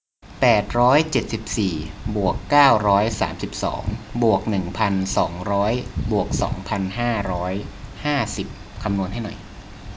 แปดร้อยเจ็ดสิบสี่บวกเก้าร้อยสามสิบสองบวกหนึ่งพันสองร้อยบวกสองพันห้าร้อยห้าสิบคำนวณให้หน่อย